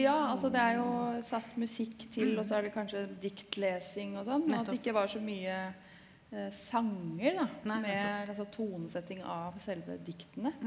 ja altså det er jo satt musikk til og så er det kanskje diktlesing og sånn men at det ikke var så mye sanger da med altså tonesetting av selve diktene.